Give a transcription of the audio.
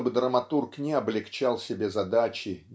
чтобы драматург не облегчал себе задачи